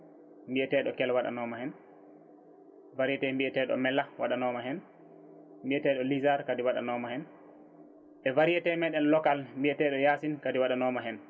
mbiyeteɗo Keel waɗanoma hen variété mbiyateɗo Melakh waɗanoma hen mbiyeteɗo Liisar kadi waɗanoma hen e variété meɗen local mbiyeteɗo yaasin kadi waɗanoma hen